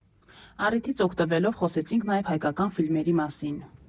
Առիթից օգտվելով՝ խոսեցինք նաև հայկական ֆիլմերի մասին։